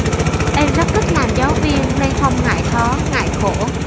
em rất thích làm giáo viên nên không ngại khó ngại khổ